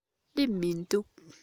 སླེབས མི འདུག